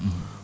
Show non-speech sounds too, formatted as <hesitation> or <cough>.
<hesitation> <hesitation>